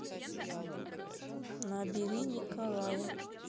набери николая